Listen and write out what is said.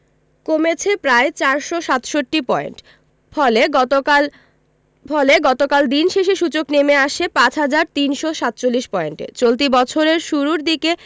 কমেছে প্রায় ৪৬৭ পয়েন্ট ফলে গতকাল ফলে গতকাল দিন শেষে সূচক নেমে আসে ৫ হাজার ৩৪৭ পয়েন্টে চলতি বছরের শুরুর দিকে